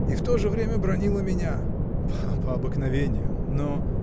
— И в то же время бранила меня? — По обыкновению, но.